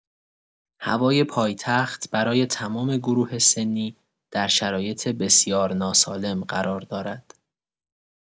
هوای پایتخت برای تمام گروه سنی در شرایط بسیار ناسالم قرار دارد.